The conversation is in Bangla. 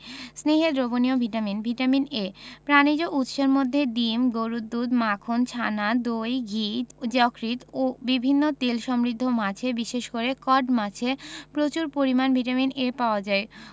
স্নেহে দ্রবণীয় ভিটামিন ভিটামিন A প্রাণিজ উৎসের মধ্যে ডিম গরুর দুধ মাখন ছানা দই ঘি যকৃৎ ও বিভিন্ন তেলসমৃদ্ধ মাছে বিশেষ করে কড মাছে প্রচুর পরিমান ভিটামিন A পাওয়া যায়